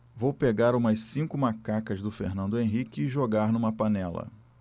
vou pegar umas cinco macacas do fernando henrique e jogar numa panela